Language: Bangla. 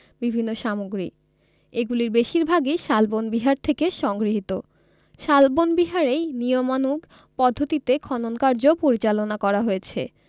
বিভিন্ন সামগ্রী এগুলির বেশিরভাগই শালবন বিহার থেকে সংগৃহীত শালবন বিহারেই নিয়মানুগ পদ্ধতিতে খননকার্য পরিচালনা করা হয়েছে